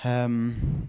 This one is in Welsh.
Yym...